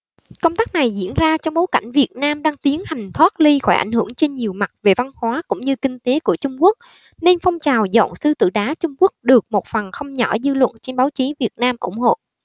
công tác này diễn ra trong bối cảnh việt nam đang tiến hành thoát li khỏi ảnh hưởng trên nhiều mặt về văn hóa cũng như kinh tế của trung quốc nên phong trào dọn sư tử đá trung quốc được một phần không nhỏ dư luận trên báo chí việt nam ủng hộ